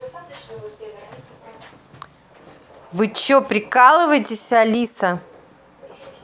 вы че прикалываетесь алиса